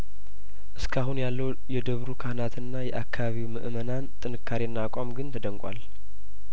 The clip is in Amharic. እስካሁን ያለው የደብሩ ክህነትና የአካባቢው ምእመናን ጥንካሬና አቋም ግን ተደንቋል